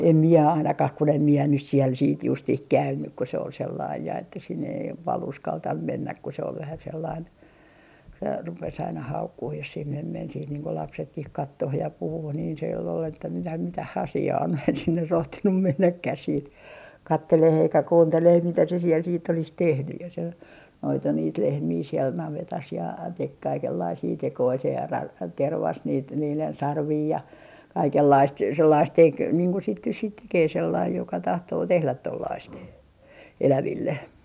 en minä ainakaan kun en minä nyt siellä sitten justiin käynyt kun se oli sellainen ja että sinne ei paljon uskaltanut mennä kun se oli vähän sellainen - rupesi aina haukkumaan jos sinne meni sitten niin kuin lapsetkin katsomaan ja puhumaan niin siellä oli että mitä mitä asiaa on minä en sinne rohtinut mennäkään sitten katselemaan eikä kuuntelemaan mitä se siellä sitten olisi tehnyt ja se noitui niitä lehmiä siellä navetassa ja teki kaikenlaisia tekoja se - tervasi niitä niiden sarvia ja kaikenlaista sellaista teki niin kuin sitten nyt sitten tekee sellainen joka tahtoo tehdä tuollaista eläville